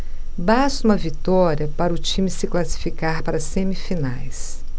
basta uma vitória para o time se classificar para as semifinais